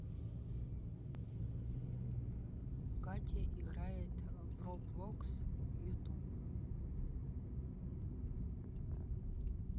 катя играет в роблокс ютуб